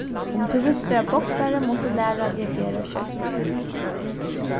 um tú vilt vera boksari mást tú læra at reagera skjótt